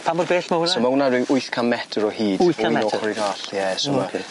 Pan mor bell ma' hwnna? So ma' wnna ryw wyth can metr o hyd. Wyth can metr? O un ochor i'r llall ie so ma'n ocê.